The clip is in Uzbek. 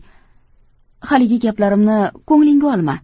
haligi gaplarimni ko'nglingga olma